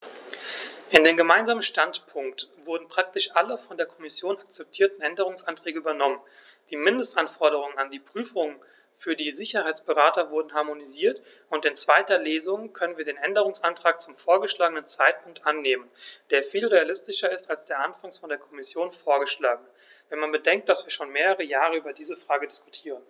In den gemeinsamen Standpunkt wurden praktisch alle von der Kommission akzeptierten Änderungsanträge übernommen, die Mindestanforderungen an die Prüfungen für die Sicherheitsberater wurden harmonisiert, und in zweiter Lesung können wir den Änderungsantrag zum vorgeschlagenen Zeitpunkt annehmen, der viel realistischer ist als der anfangs von der Kommission vorgeschlagene, wenn man bedenkt, dass wir schon mehrere Jahre über diese Frage diskutieren.